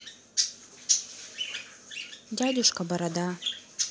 дядюшка борода